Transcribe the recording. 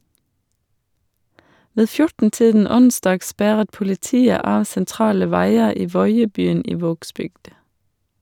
Ved 14 tiden onsdag sperret politiet av sentrale veier i Voiebyen i Vågsbygd.